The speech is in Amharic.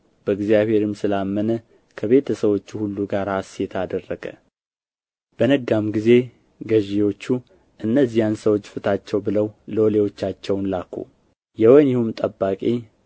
በእግዚአብሔርም ስላመነ ከቤተ ሰዎቹ ሁሉ ጋር ሐሤት አደረገ በነጋም ጊዜ ገዢዎቹ እነዚያን ሰዎች ፍታቸው ብለው ሎሌዎቻቸውን ላኩ የወኅኒውም ጠባቂ